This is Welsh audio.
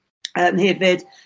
yym hefyd